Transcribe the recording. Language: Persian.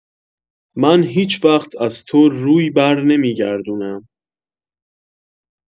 من هیچ‌وقت از تو روی برنمی‌گردونم